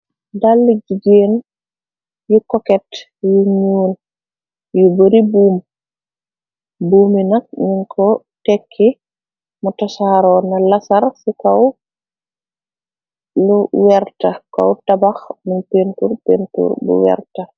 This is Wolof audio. Dall jigeen yu koket yu ñuul yu bari buumi nak nin ko tekki mu tasaaro na lasar ci kaw lu werta kow tabax muñ pentur pentur bu werta.